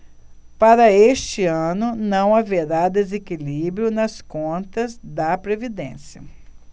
para este ano não haverá desequilíbrio nas contas da previdência